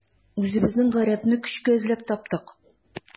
Үзебезнең гарәпне көчкә эзләп таптык.